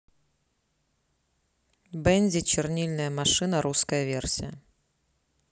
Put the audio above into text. бенди чернильная машина русская версия